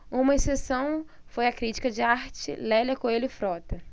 uma exceção foi a crítica de arte lélia coelho frota